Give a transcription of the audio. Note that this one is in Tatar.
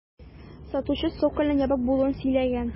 Сатучы цокольның ябык булуын сөйләгән.